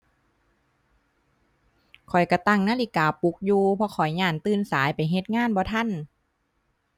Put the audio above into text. ข้อยก็ตั้งนาฬิกาปลุกอยู่ เพราะข้อยย้านตื่นสายไปเฮ็ดงานบ่ทัน